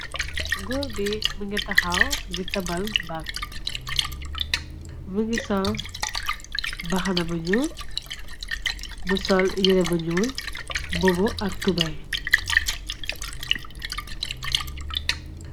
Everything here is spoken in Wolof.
Góor bi mi ngi taxaw di tabal bal mi ngi sol baxana banu më sol yere buñul mbobu ak tubey.